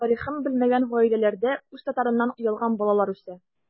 Тарихын белмәгән гаиләләрдә үз татарыннан оялган балалар үсә.